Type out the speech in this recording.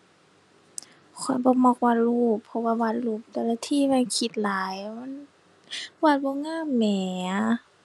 ข้อยบ่มักวาดรูป เพราะว่าวาดรูปแต่ละทีมันคิดหลายว่ามัน วาดบ่งามแหม